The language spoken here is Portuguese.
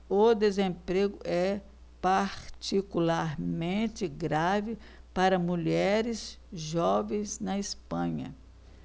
o desemprego é particularmente grave para mulheres jovens na espanha